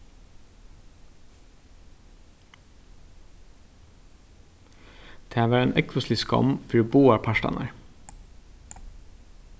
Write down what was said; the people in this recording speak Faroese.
tað var ein ógvuslig skomm fyri báðar partarnar